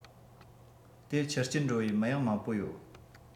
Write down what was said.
དེར ཆུ རྐྱལ འགྲོ བའི མི ཡང མང པོ ཡོད